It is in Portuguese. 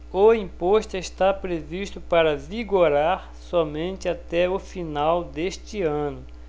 o imposto está previsto para vigorar somente até o final deste ano